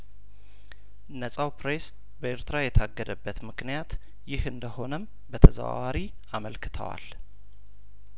ነጻው ፕሬስ በኤርትራ የታገደበት ምክንያት ይህ እንደሆነም በተዘዋዋሪ አመልክተዋል